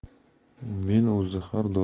men o'zi har doim